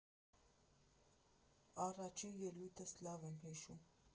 Առաջին ելույթս լավ եմ հիշում։